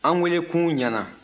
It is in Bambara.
an welekun ɲana